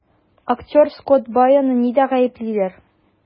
Актер Скотт Байоны нидә гаеплиләр?